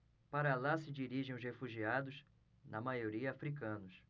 para lá se dirigem os refugiados na maioria hútus